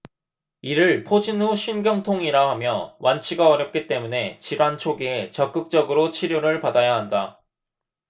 이를 포진 후 신경통이라 하며 완치가 어렵기 때문에 질환 초기에 적극적으로 치료를 받아야 한다